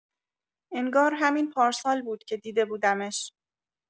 انگار همین پارسال بود که دیده بودمش.